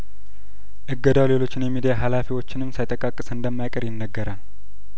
እገዳው ሌሎችን የሚዲያ ሀላፊዎችንም ሳይጠቃቅስ እንደማይቀር ይነገራል